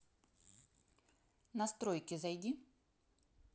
настройки зайди